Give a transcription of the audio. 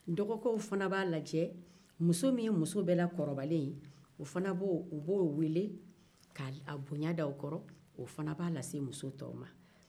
dɔgɔkɛw fana b'a lajɛ muso min ye muso bɛɛ la kɔrɔbalen ye u fana b'o u b'o wele k'a bonya da o kɔrɔ o fana b'a lase muso tɔw ma